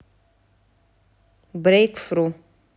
брейк фру